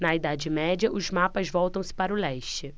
na idade média os mapas voltam-se para o leste